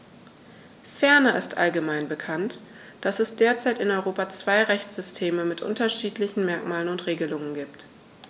Ferner ist allgemein bekannt, dass es derzeit in Europa zwei Rechtssysteme mit unterschiedlichen Merkmalen und Regelungen gibt.